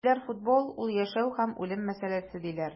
Күпләр футбол - ул яшәү һәм үлем мәсьәләсе, диләр.